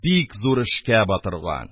Бик зур эшкә батырган.